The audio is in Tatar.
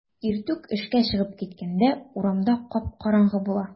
Иртүк эшкә чыгып киткәндә урамда кап-караңгы була.